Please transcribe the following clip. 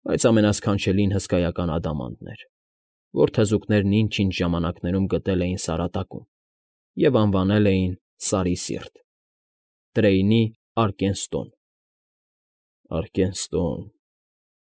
Բայց ամենասքանչելին հսկայական ադամանդն էր, որ թզուկներն ինչ֊ինչ ժամանակներում գտել էին Սարատակում և անվանել էին Սարի Սիրտ, Տրեյնի Արկենստոն։ ֊ Արկենստոն,